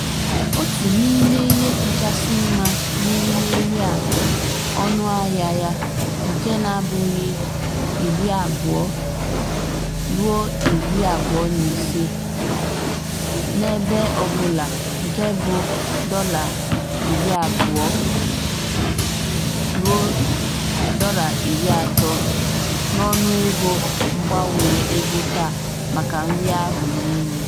Otu n'ime ihe kachasị mma n'erimeri a bụ ọnụahịa ya, nke na-abụkarị 20-25 DH n'ebe ọbụla nke bụ $ 2.60-3.25 n'ọnụego mgbanwe ego taa- maka nri ahụ niile!